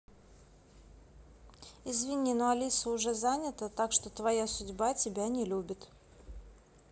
извини но алиса уже занята так что твоя судьба тебя не любит